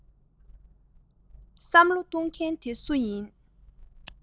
བསམ བློ གཏོང མཁན དེ སུ ཡིན